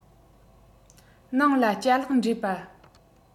ནང ལ ཅ ལག འདྲེས པ